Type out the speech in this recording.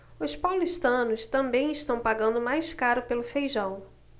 os paulistanos também estão pagando mais caro pelo feijão